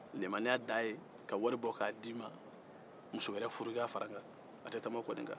limaniya dan ye ka wari bɔ k'a d'i ma muso wɛrɛ furu i k'a fara n kan a te tɛmɛ o kɔni kan